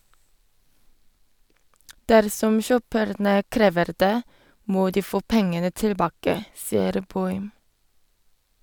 - Dersom kjøperne krever det, må de få pengene tilbake , sier Boym.